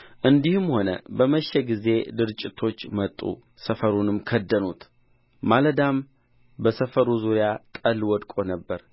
እንዲህም ሆነ በመሸ ጊዜ ድርጭቶች መጡ ሰፈሩንም ከደኑት ማለዳም በሰፈሩ ዙሪያ ጠል ወድቆ ነበር